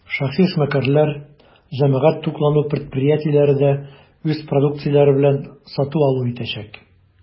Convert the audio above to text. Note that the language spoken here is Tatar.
Шәхси эшмәкәрләр, җәмәгать туклануы предприятиеләре дә үз продукцияләре белән сату-алу итәчәк.